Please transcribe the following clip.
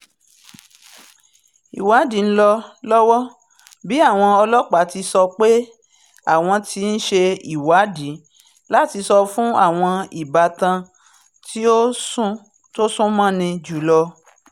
Ìwádìí ń lọ lọ́wọ́ bí àwọn ọlọ́pàá ti sọ pé àwọn ti ń ṣe ìwádìí láti sọ fún àwọn ìbátan tí ó sún mọ́ni jùlọ.